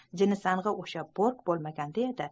jinnisang'i o'sha bork bo'lmaganda edi